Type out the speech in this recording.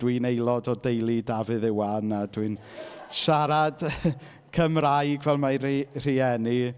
Dwi'n aelod o deulu Dafydd Iwan a dwi'n siarad Cymraeg fel mae ri- rhieni.